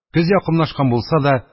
Көз якынлашкан булса да,